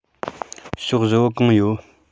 ཕྱོགས བཞི བོ གང ཡོད